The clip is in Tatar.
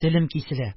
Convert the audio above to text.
Телем киселә: